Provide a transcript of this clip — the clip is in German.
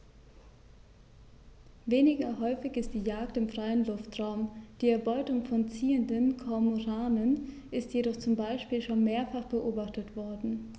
Weniger häufig ist die Jagd im freien Luftraum; die Erbeutung von ziehenden Kormoranen ist jedoch zum Beispiel schon mehrfach beobachtet worden.